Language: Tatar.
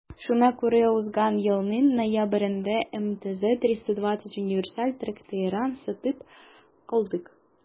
Шуңа күрә узган елның ноябрендә МТЗ 320 универсаль тракторын сатып алдык.